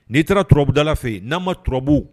N'i taara turabudala fɛ n'a ma turabu